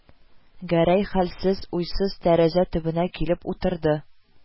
Гәрәй хәлсез, уйсыз тәрәзә төбенә килеп утырды